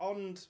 Ond...